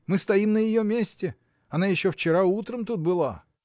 Мы стоим на ее месте: она еще вчера утром тут была.